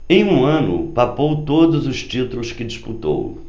em um ano papou todos os títulos que disputou